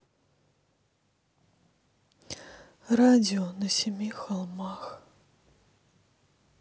радио на семи холмах